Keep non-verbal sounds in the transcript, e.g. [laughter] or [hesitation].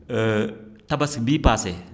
[hesitation] tabaski bii paase